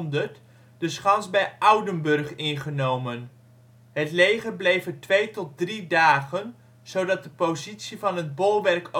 de schans bij Oudenburg ingenomen. Het leger bleef er twee tot drie dagen zodat de positie van het bolwerk Oostende